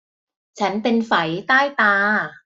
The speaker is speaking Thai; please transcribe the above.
ฉันเป็นไฝใต้ตา